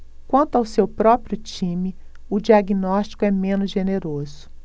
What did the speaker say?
quanto ao seu próprio time o diagnóstico é menos generoso